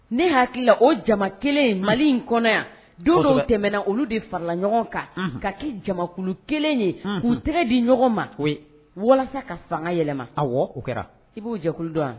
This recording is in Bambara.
Ne hakilila o jama kelen in mali in kɔnɔ yan don dɔw tɛmɛna olu de farala ɲɔgɔn kan ka kɛ jakulu kelen ye u'u tɛgɛ di ɲɔgɔn ma o walasa ka fanga yɛlɛma a o kɛra i b'o jɛkuludɔn yan